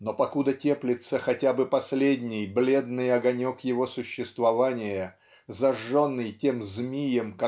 но покуда теплится хотя бы последний бледный огонек его существования зажженный тем Змием